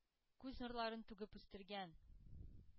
Күз нурларын түгеп үстергән.